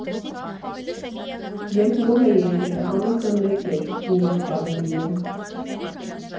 Երբ նոր էի եկել, ամիսը մեկ էր միջոցառում լինում։